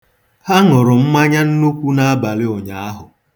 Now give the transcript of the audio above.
Ha ṅụrụ mmanya nnukwu n'abalị ụnyaahụ.